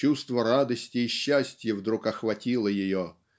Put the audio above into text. чувство радости и счастья вдруг охватило ее